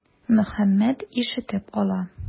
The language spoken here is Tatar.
Мөхәммәт ишетеп ала.